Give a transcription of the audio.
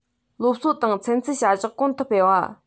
སློབ གསོ དང ཚན རྩལ བྱ གཞག གོང དུ སྤེལ བ